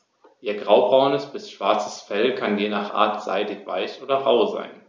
Ihr graubraunes bis schwarzes Fell kann je nach Art seidig-weich oder rau sein.